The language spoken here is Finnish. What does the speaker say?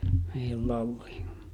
lautoja